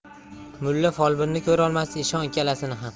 mulla folbinni ko'rolmas eshon ikkalasini ham